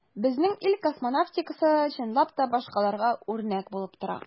Безнең ил космонавтикасы, чынлап та, башкаларга үрнәк булып тора.